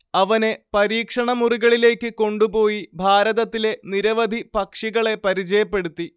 അവനെ പരീക്ഷണമുറികളിലേക്ക് കൊണ്ടുപോയി ഭാരതത്തിലെ നിരവധി പക്ഷികളെ പരിചയപ്പെടുത്തി